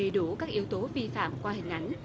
đầy đủ các yếu tố vi phạm qua hình ảnh